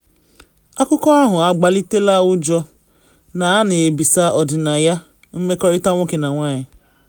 Akụkọ ahụ agbalitela ụjọ na a na ebisa ọdịnaya mmekọrịta nwoke na nwanyị